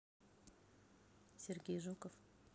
сергей жуков